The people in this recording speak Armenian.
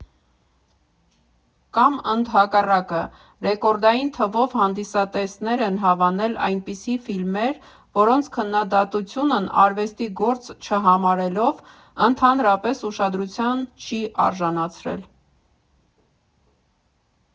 Կամ ընդհակառակը՝ ռեկորդային թվով հանդիսատեսներ են հավանել այնպիսի ֆիլմեր, որոնց քննադատությունն արվեստի գործ չհամարելով, ընդհանրապես ուշադրության չի արժանացրել։